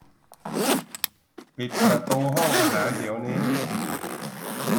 ปิดประตูห้องอาหารเดี๋ยวนี้